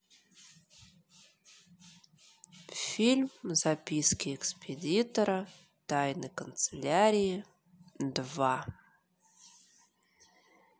фильм записки экспедитора тайной канцелярии два